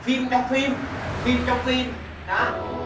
phim trong phim phim trong phim đó